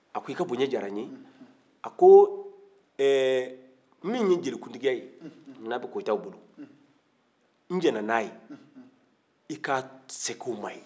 a ko i ka bonya diyara n ye a ko min ye jelikuntigiya ye n'a bɛ koyitaw bolo n diɲɛna n'a ye i ka segin u ma yen